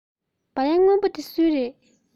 སྦ ལན སྔོན པོ འདི སུའི རེད